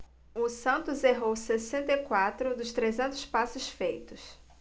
o santos errou sessenta e quatro dos trezentos passes feitos